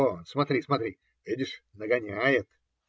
Вон смотри, смотри: видишь, нагоняет.